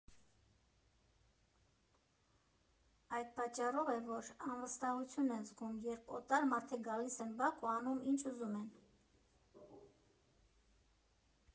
Այդ պատճառով է, որ անվստահություն են զգում, երբ օտար մարդիկ գալիս են բակ ու անում, ինչ ուզում են։